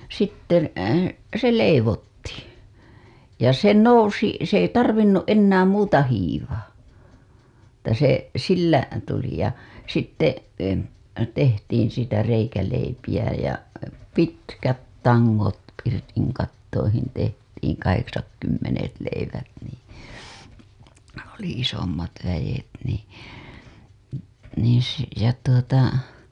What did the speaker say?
sitten se leivottiin ja se nousi se ei tarvinnut enää muuta hiivaa että se sillä tuli ja sitten tehtiin siitä reikäleipiä ja pitkät tangot pirtinkattoihin tehtiin kahdeksatkymmenet leivät niin oli isommat väet niin niin se ja tuota